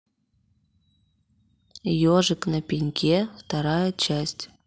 ежик на пеньке вторая часть